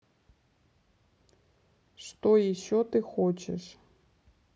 что еще ты хочешь